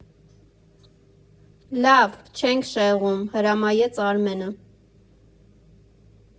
֊ Լավ, չենք շեղվում, ֊ հրամայեց Արմենը։